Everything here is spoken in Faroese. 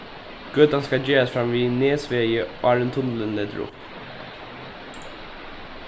gøtan skal gerast framvið nesvegi áðrenn tunnilin letur upp